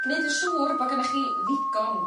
gneud yn siŵr bo' gynnoch chi ddigon